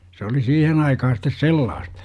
se oli siihen aikaan sitten sellaista